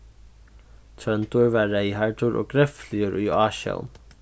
tróndur var reyðhærdur og grefligur í ásjón